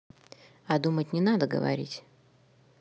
а думать не надо говорить